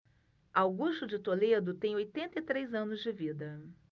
augusto de toledo tem oitenta e três anos de vida